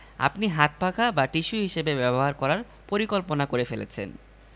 গোসল করার জন্য আর কোনো শুকনো গামছা বা তোয়ালে অবশিষ্ট নেই ৫. যখন দেখবেন দোকান থেকে আইসক্রিম কিনে বাসায় এসে জুস খেতে হচ্ছে